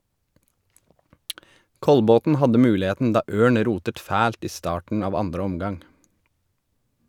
Kolbotn hadde muligheten da Ørn rotet fælt i starten av 2. omgang.